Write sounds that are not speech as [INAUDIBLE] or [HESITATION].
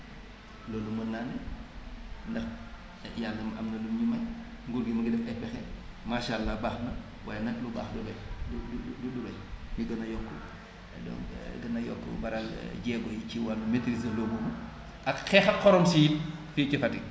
loolu mën naa ne ndax Yàlla am na lu mu ñu may nguur gi mu ngi def ay pexe maasàllaa baax na waaye nag lu baax du doy du du du doy ñuy gën a yokk donc [HESITATION] gën a yokk baral jeego yi ci wàllu maitrise de l' eau boobu ak xeex ak xorom si it fii ci Fatick